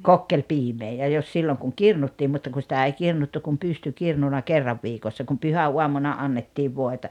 kokkelipiimää ja jos silloin kun kirnuttiin mutta kun sitä ei kirnuttu kuin pystykirnuna kerran viikossa kun pyhäaamuna annettiin voita